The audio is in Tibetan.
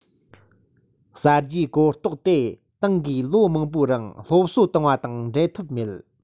གསར བརྗེའི གོ རྟོགས དེ ཏང གིས ལོ མང པོའི རིང སློབ གསོ བཏང བ དེ དང འབྲལ ཐབས མེད